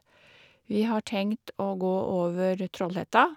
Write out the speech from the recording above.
Vi har tenkt å gå over Trollhetta.